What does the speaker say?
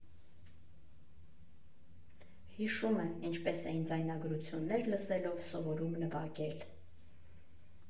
Հիշում է՝ ինչպես էին ձայնագրություններ լսելով սովորում նվագել։